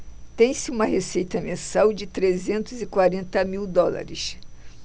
tem-se uma receita mensal de trezentos e quarenta mil dólares